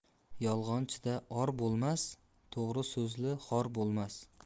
yolg'onchida or bo'lmas to'g'ri so'zli xor bo'lmas